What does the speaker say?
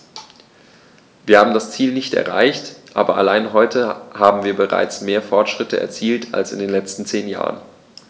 Wir haben das Ziel nicht erreicht, aber allein heute haben wir bereits mehr Fortschritte erzielt als in den letzten zehn Jahren.